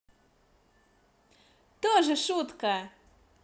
тоже шутка